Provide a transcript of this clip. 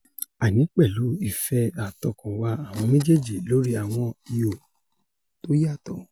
Àní pẹ̀lú ìfẹ́ àtọkànwá àwọn méjèèjì lórí àwọn ihò tóyàtọ̀.